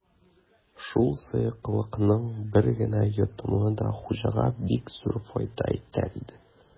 Шул сыеклыкның бер генә йотымы да хуҗага бик зур файда итәр иде.